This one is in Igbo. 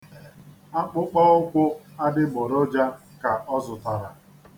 Akpụkpọụkwụ adịgboroja ka ọ zụtara.